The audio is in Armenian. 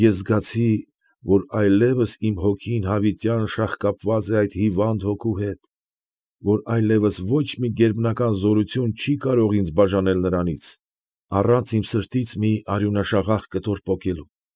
Ես զգացի, որ այլևս իմ հոգին հավիտյան շաղկապված է այդ հիվանդ հոգու հետ, որ այլևս ոչ մի գերբնական զորություն չի կարող ինձ բաժանել նրանից՝ առանց իմ սրտից մի արյունաշաղախ կտոր պոկելու։